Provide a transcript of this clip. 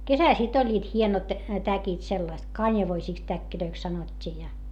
kesällä sitten olivat hienot täkit sellaiset kanjavoisiksi täkeiksi sanottiin ja